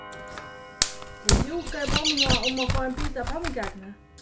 tey júkaðu mammuna um at fáa ein bita av pannukakuni